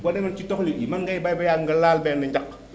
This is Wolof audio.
boo demoon ci toxlu ji mën ngay bay ba mu yàgg nga laal benn njaq